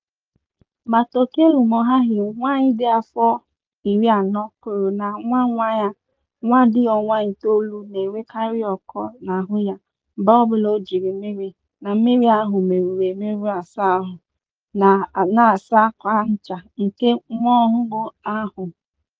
Matokelo Moahi, nwaanyị dị afọ 40, kwuru na nwa nwa ya, nwa dị ọnwa itoolu, na-enwekarị ọkọ n'ahụ ya mgbe ọbụla o jiri mmiri na mmiri ahụ merụrụ emerụ asa ahụ ma na-asa akwa nhicha ike nwa ọhụrụ ahụ.